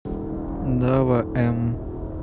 дава м